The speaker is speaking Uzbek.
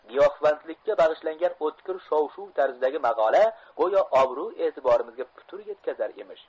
giyohvandlikka bag'ishlangan o'tkir shov shuv tarzidagi maqola go'yo obro' etiborimizga putur yetkazar emish